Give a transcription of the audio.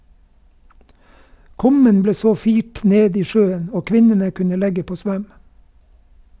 Kummen ble så firt ned i sjøen, og kvinnene kunne legge på svøm.